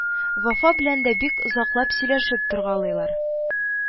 Вафа белән дә бик озаклап сөйләшеп торгалыйлар